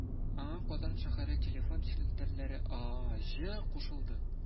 Аңа Казан шәһәре телефон челтәре ААҖэ кушылды